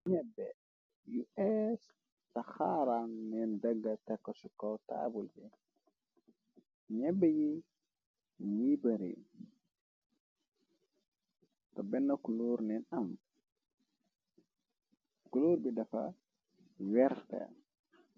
Nyebbe bu ess xaaraan neen dëgga tekachu kaw taabul bi nyebbe yi nibari te benn kuluur neen am kuluur bi dafa werte.